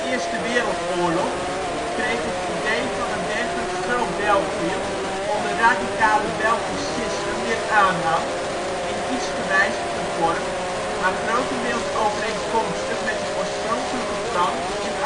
Eerste Wereldoorlog kreeg het idee van een dergelijk ' Groot-België ' onder radicale Belgicisten weer aanhang, in iets gewijzigde vorm, maar grotendeels overeenkomstig met het oorspronkelijke plan in